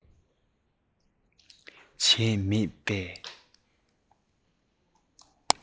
བྱས མེད པས